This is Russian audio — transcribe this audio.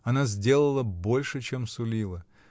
она сдержала больше, чем сулила.